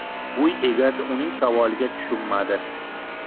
uy egasi uning savoliga tushunmadi